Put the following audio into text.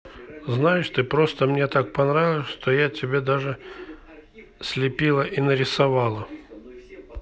знаешь ты просто мне так понравилось то что я тебя даже слепила и нарисовала